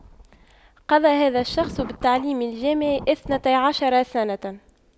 قضى هذا الشخص بالتعليم الجامعي اثنتي عشر سنة